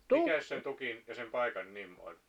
mikäs sen tukin ja sen paikan nimi oli